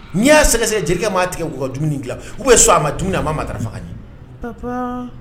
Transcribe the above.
N'i y'a sɛgɛsɛ jelikɛ' tigɛ ka dumuni dilan u bɛ so a ma dum a ma mafa ɲɛ